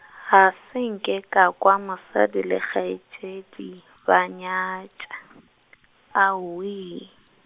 ga se nke ka kwa mosadi le kgaetšedi ba nyatša , aowii.